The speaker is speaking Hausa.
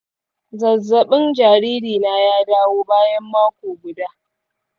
zazzaɓin jaririna ya dawo bayan mako guda.